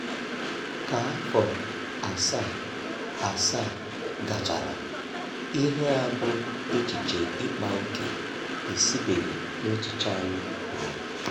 Ka afọ 77 gachara ihe a bụ [echiche ịkpa ókè] esibeghị n'echiche anyị pụọ.